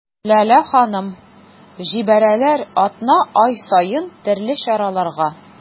Ләлә ханым: җибәрәләр атна-ай саен төрле чараларга.